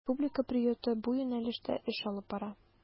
Республика приюты бу юнәлештә эш алып бара.